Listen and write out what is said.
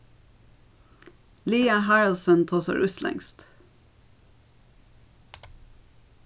lea haraldsen tosar íslendskt